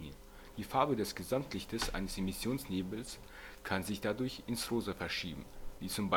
Farbe des Gesamtlichtes eines Emissionsnebels kann sich dadurch ins Rosa verschieben, wie zum Beispiel